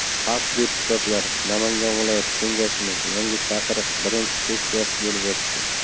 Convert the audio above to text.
xalq deputatlari namangan viloyati kengashining yangi chaqiriq birinchi sessiyasi bo'lib o'tdi